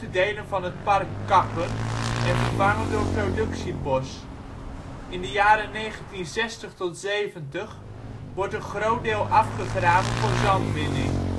delen van het park kappen en vervangen door productiebos. In de jaren 1960-70 wordt een groot deel afgegraven voor zandwinning